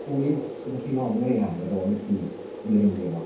Pwy sydd yn rheoli'r AI ar ôl i chi fireinio fo?